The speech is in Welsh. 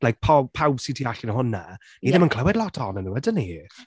Like, paw- pawb sy tu allan i hwnna, ni ddim yn clywed lot ohonyn nhw, ydyn ni?